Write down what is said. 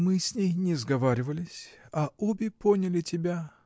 — Мы с ней не сговаривались, а обе поняли тебя.